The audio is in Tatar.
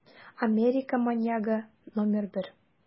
Америка маньягы № 1